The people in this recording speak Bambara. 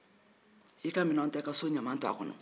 i kaminɛnw ta i ka so ɲaman to a kɔnɔ